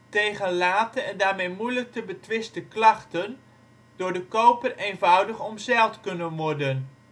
tegen late en daarmee moeilijk te betwisten klachten, door de koper eenvoudig omzeild kunnen worden